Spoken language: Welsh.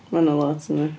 Mae hynna'n lot, yndi.